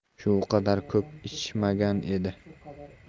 shu qadar ko'p ichmagan edi